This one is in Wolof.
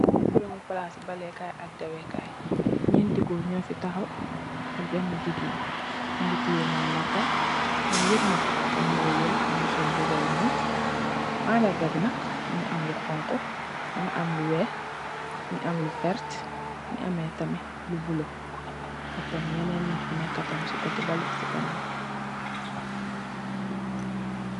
Bërëbu palaasi balé kaay ak dawé kaay, ñeenti goor ñoo fi taxaw, ak beenë jigéen, mu ngi tiyee mandarga. Ñom ñep nak, ñoo niroole yire, ñu ngi sol mbuba yu ñuul, mandarga bi nak, mu ngi am lu xoñxu, mu ngi am lu weex, mu ngi am lu werta, mu ngi amee tamit lu bulo, am tamit yenen nit yu nekkë si kotte bale, si ganaaw.